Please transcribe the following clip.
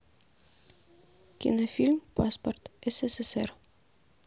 кинофильм паспорт ссср